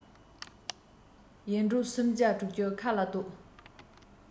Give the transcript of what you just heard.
ཡེ འབྲོག སུམ བརྒྱ དྲུག ཅུའི ཁ ལ བཟློག